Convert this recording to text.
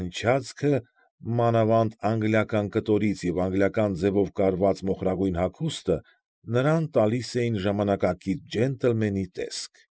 Ընչացքը, մանավանդ անգլիական կտորից անգլիական ձևով կարված մոխրագույն հագուստը նրան տալիս էին ժամանակակից ջենտլմենի տեսք։